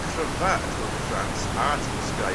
cryfa y Tour de France a tîm Sky...